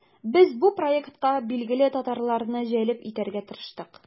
Без бу проектка билгеле татарларны җәлеп итәргә тырыштык.